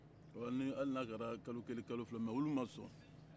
ɔ hali n'a kɛra kalo kelen kalo fila mɛ olu ma sɔn